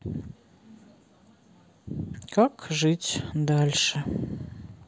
как жить дальше